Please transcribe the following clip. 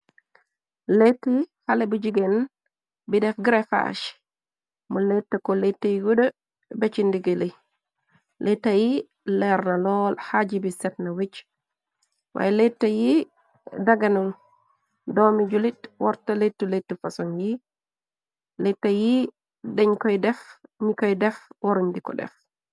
Leti xale bu jigeen bi def grefaache, mu lete ko lettey guda beh chi ndigeli, leyte yi leerna lool, xaaji bi setna wich, waaye lete yi daganul, dormi julit warta lettu lettu fason yi, lettah yi deñ koy def, njii koy def waruñdiko def.